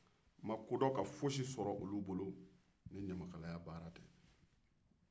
n ma kodɔn ka fosi sɔrɔ olu bolo ni ɲamakalaya baara tɛ